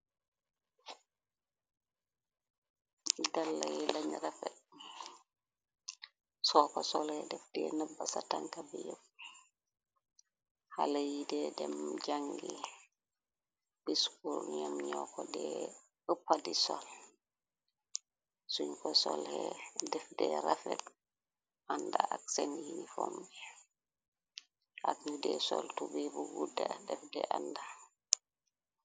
Dalla yi lañ rafet so ko sole def de nabba sa tanka bi yep xale yi de dem jàngi skul ñoom ñoo ko dee ëppa di sol suñ ko oldef de rafetu ànda ak seen uniform at nu de sol tube bu guda def de ànda.